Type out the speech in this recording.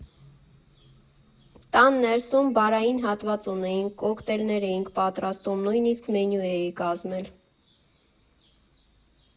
Տան ներսում բարային հատված ունեինք, կոկտեյլներ էինք պատրաստում, նույնիսկ մենյու էի կազմել։